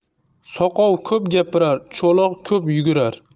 soqov ko'p gapirar cho'loq ko'p yugurar